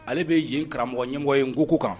Ale bɛ yen karamɔgɔ ɲɛmɔgɔ in ko kan